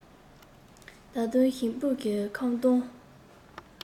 ད དུང ཞིང སྦུག གི ཁམ སྡོང